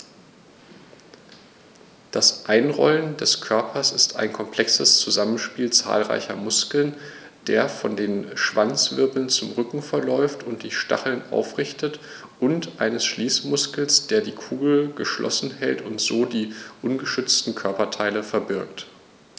Das Einrollen des Körpers ist ein komplexes Zusammenspiel zahlreicher Muskeln, der von den Schwanzwirbeln zum Rücken verläuft und die Stacheln aufrichtet, und eines Schließmuskels, der die Kugel geschlossen hält und so die ungeschützten Körperteile verbirgt.